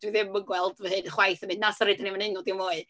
Dwi ddim yn gweld fy hun yn mynd chwaith, "o na sori, dan ni'm yn wneud nhw dim mwy".